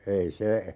ei se